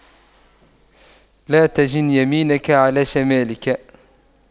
لا تجن يمينك على شمالك